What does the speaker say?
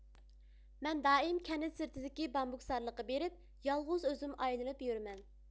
مەن دائىم كەنت سىرتىدىكى بامبۇكزارلىققا بېرىپ يالغۇز ئۆزۈم ئايلىنىپ يۈرىمەن